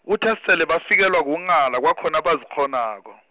kuthe sele bafikelwa kunghala kwakhona abazikghonako.